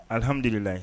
Ahamdulilayi